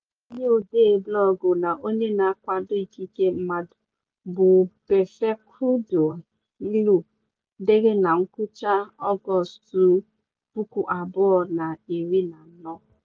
Akaebe a bụ nke onye odee blọọgụ na onye na-akwado ikike mmadụ bụ Befeqadu Hailu dere na ngwụcha Ọgọstụ 2014.